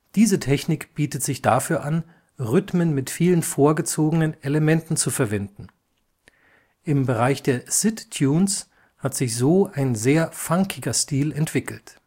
Diese Technik bietet sich dafür an, Rhythmen mit vielen vorgezogenen Elementen zu verwenden. Im Bereich der SID-Tunes hat sich so ein sehr funkiger Stil entwickelt